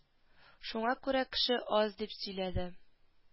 Шуңа күрә кеше аз - дип сөйләде